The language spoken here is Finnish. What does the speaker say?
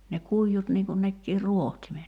ne kuidut niin kuin nekin rohtimet